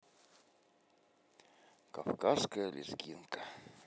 кавказская лезгинка